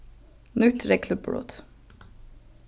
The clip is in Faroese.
nýtt reglubrot